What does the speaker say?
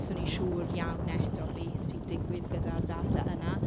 So ni'n siŵr iawn eto beth sy'n digwydd gyda'r data yna.